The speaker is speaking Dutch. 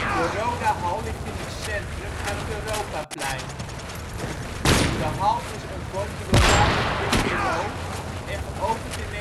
De Rodahal ligt in het centrum, aan het Europaplein. De hal is ontworpen door Laurens Bisscheroux (1934-1977) en geopend in 1966. De